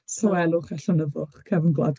Tawelwch a llonyddwch cefn gwlad.